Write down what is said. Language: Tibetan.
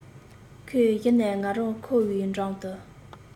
ཁོས གཞི ནས ང རང ཁོའི འགྲམ དུ